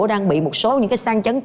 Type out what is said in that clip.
đang bị một số sang chấn